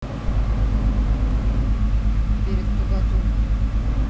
перед тугодум